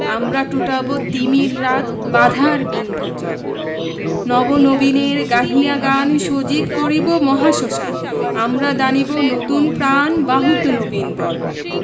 আমরা টুটাব তিমির রাত বাধার বিন্ধ্যাচল নব নবীনের গাহিয়া গান সজীব করিব মহাশ্মশান আমরা দানিব নতুন প্রাণ বাহুতে নবীন বল